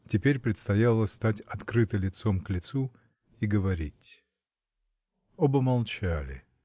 Теперь предстояло стать открыто лицом к лицу и говорить. Оба молчали.